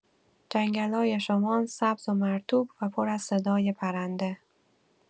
جنگلای شمال سبز و مرطوب و پر از صدای پرنده.